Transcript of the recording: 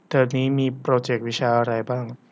เทอมนี้มีโปรเจควิชาอะไรบ้าง